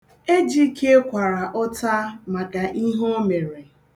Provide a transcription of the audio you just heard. Ejike kwara ụta maka ihe o mere.